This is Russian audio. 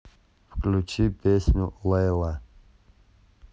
включи песню лейла